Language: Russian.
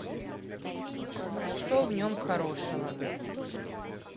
что в нем хорошего